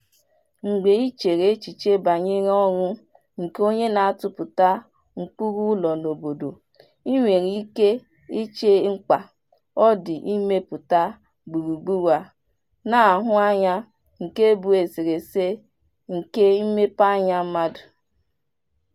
Mgbe i chere echiche banyere ọrụ nke onye na-atụpụta ụkpụrụ ụlọ n'obodo, i nwere ike iche mkpa ọ dị imepụta gburugburu a na-ahụ anya nke bụ eserese nke mmepeanya mmadụ.